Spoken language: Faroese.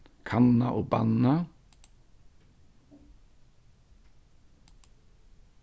kanna og banna